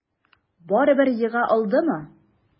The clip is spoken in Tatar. Барыбер ега алмадымы?